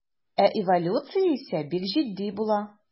Ә эволюция исә бик җитди була.